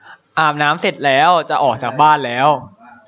อาบน้ำเสร็จแล้วจะออกจากบ้านแล้ว